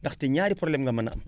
ndaxte ñaari problèmes nga mën a am